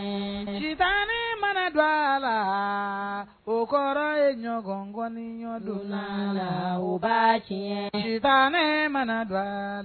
sitanɛ mana don a la, o kɔrɔ ye ɲɔgɔn ŋɔniɲɔ donna la, u b cɛn. Sitanɛ mana don